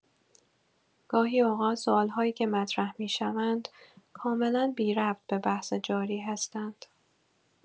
گاهی اوقات سوال‌هایی که مطرح می‌شوند کاملا بی‌ربط به بحث جاری هستند.